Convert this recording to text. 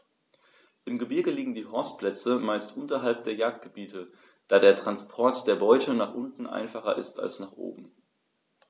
Im Gebirge liegen die Horstplätze meist unterhalb der Jagdgebiete, da der Transport der Beute nach unten einfacher ist als nach oben.